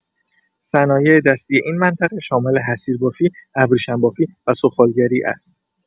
صنایع‌دستی این منطقه شامل حصیربافی، ابریشم‌بافی و سفالگری است.